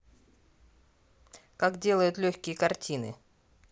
как делают легкие картины